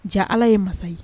Ja Ala ye masa ye